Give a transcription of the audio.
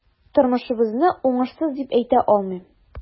Тормышыбызны уңышсыз дип әйтә алмыйм.